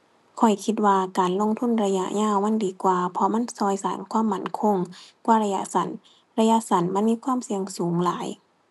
ข้อยคิดว่าการลงทุนระยะยาวมันดีกว่า เพราะมันช่วยสร้างความมั่นคงกว่าระยะสั้น ระยะสั้นมันมีความเสี่ยงสูงหลาย